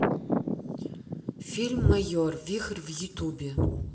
фильм майор вихрь в ютубе